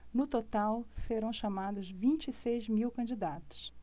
no total serão chamados vinte e seis mil candidatos